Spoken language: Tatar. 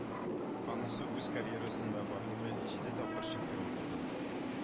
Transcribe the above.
Анысы үз карьерасында барлыгы җиде тапкыр чемпион булган